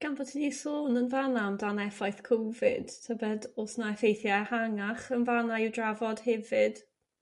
gan fo ti 'di sôn yn fanna amdan effaith Cofid tybed o's 'na effeithie ehangach yn fanna i'w drafod hefyd?